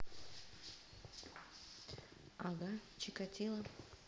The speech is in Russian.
ага чикатило